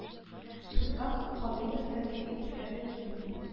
Судка кадыйров та теге ирләр дә килми